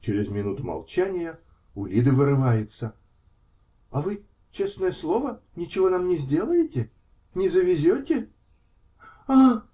Через минуту молчания у Лиды вырывается: -- А вы, честное слово, ничего нам не сделаете? Не завезете? -- О!